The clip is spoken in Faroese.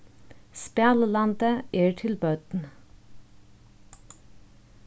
spælilandið er til børn